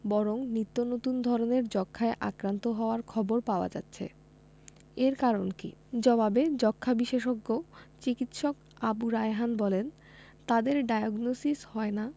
বরং নিত্যনতুন ধরনের যক্ষ্মায় আক্রান্ত হওয়ার খবর পাওয়া যাচ্ছে এর কারণ কী জবাবে যক্ষ্মা বিশেষজ্ঞ চিকিৎসক আবু রায়হান বলেন যাদের ডায়াগনসিস হয় না